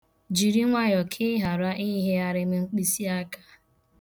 Jiri nwayọ ka ị ghara ịhịgharị m mkpịsịaka.